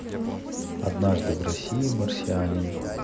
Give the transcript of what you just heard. однажды в россии марсианин